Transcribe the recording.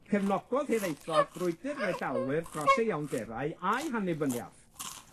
Cefnogodd Hiraethog frwydyr yr Eidalwyr dros ei iawnderau a'i hannibyniath,